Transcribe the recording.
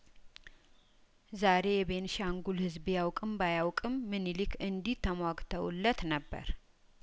ዛሬ የቤኒሻንጉል ህዝብ ቢያውቅም ባያውቅም ምንሊክ እንዲህ ተሟግተውለት ነበር